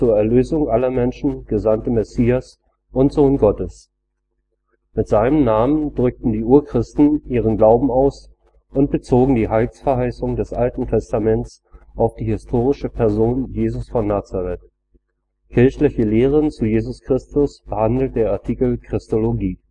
Erlösung aller Menschen gesandte Messias und Sohn Gottes. Mit seinem Namen drückten die Urchristen ihren Glauben aus und bezogen die Heilsverheißungen des Alten Testaments (AT) auf die historische Person Jesus von Nazaret. Kirchliche Lehren zu Jesus Christus behandelt der Artikel Christologie